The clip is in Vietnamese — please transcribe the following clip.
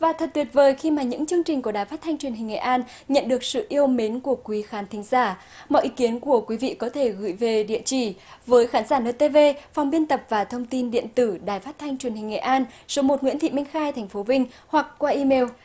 và thật tuyệt vời khi mà những chương trình của đài phát thanh truyền hình nghệ an nhận được sự yêu mến của quý khán thính giả mọi ý kiến của quý vị có thể gửi về địa chỉ với khán giả nờ tê vê phòng biên tập và thông tin điện tử đài phát thanh truyền hình nghệ an số một nguyễn thị minh khai thành phố vinh hoặc qua i mêu